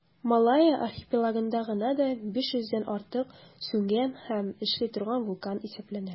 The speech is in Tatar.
Малайя архипелагында гына да 500 дән артык сүнгән һәм эшли торган вулкан исәпләнә.